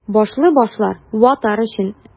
Башлы башлар — ватар өчен!